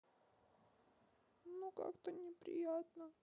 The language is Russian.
ну как то неприятно